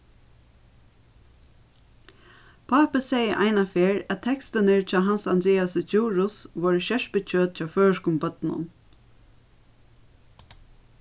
pápi segði einaferð at tekstirnir hjá hans andreasi djurhuus vóru skerpikjøt hjá føroyskum børnum